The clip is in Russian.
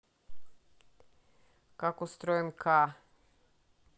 как устроен ка